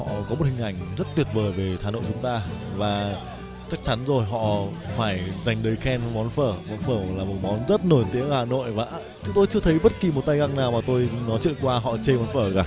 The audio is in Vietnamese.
họ có một hình ảnh rất tuyệt vời về hà nội của chúng ta và chắc chắn rồi họ phải dành lời khen món phở món phở là món rất nổi tiếng ở hà nội và chúng tôi chưa thấy bất kỳ một tay găng nào mà tôi nói chuyện qua họ chê món phở cả